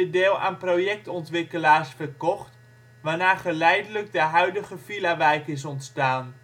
deel aan projectontwikkelaars verkocht, waarna geleidelijk de huidige villawijk is ontstaan